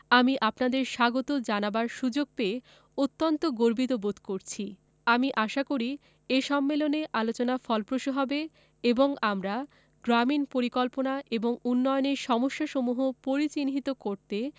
আমি আপনাদের স্বাগত জানাবার সুযোগ পেয়ে অত্যন্ত গর্বিত বোধ করছি আমি আশা করি এ সম্মেলনে আলোচনা ফলপ্রসূ হবে এবং আমরা গ্রামীন পরিকল্পনা এবং উন্নয়নের সমস্যাসমূহ পরিচিহ্নিত করতে